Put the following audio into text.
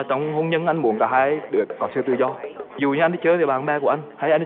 trong hôn nhân anh muốn cả hai được có sự tự do dù đi chơi với bạn bè của anh hay